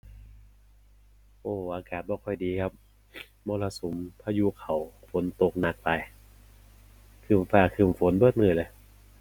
โอ้ อากาศบ่ค่อยดีครับ มรสุม พายุเข้า ฝนตกหนักหลาย ครึ้มฟ้าครึ้มฝนเบิดมื้อเลย